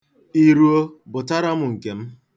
I ruo, bụtara m nke m.